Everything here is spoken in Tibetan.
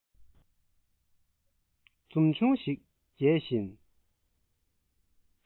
འཛུམ ཆུང ཞིག རྒྱས བཞིན